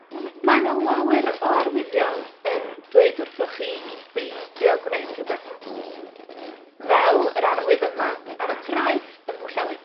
Mae 'na lawer o arwyddion yn dweud wrthoch chi i beidio gwneud rhwbeth, fel yr arwydd yma ar y traeth ym Mhwllheli.